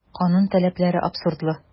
Канун таләпләре абсурдлы.